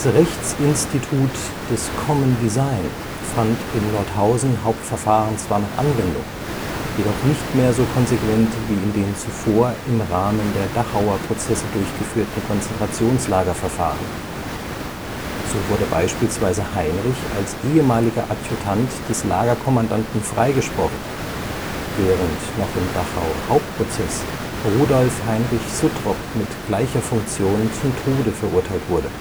Rechtsinstitut des Common Design fand im Nordhausen-Hauptverfahren zwar noch Anwendung, jedoch nicht mehr so konsequent wie in den zuvor im Rahmen der Dachauer Prozesse durchgeführten Konzentrationslagerverfahren. So wurde beispielsweise Heinrich als ehemaliger Adjutant des Lagerkommandanten freigesprochen, während noch im Dachau-Hauptprozess Rudolf Heinrich Suttrop mit gleicher Funktion zum Tode verurteilt wurde